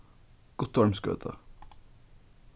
guttormsgøta